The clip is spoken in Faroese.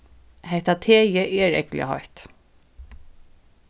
hetta teið er ógvuliga heitt